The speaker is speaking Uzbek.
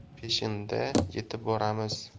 peshinda yetib boramiz